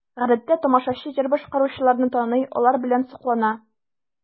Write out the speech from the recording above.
Гадәттә тамашачы җыр башкаручыларны таный, алар белән соклана.